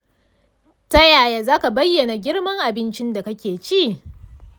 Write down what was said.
ta yaya za ka bayyana girman abincin da kake ci?